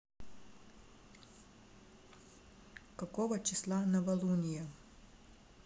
какого числа новолуние